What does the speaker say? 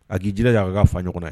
A k'i jinɛ y' a k'a fa ɲɔgɔn ye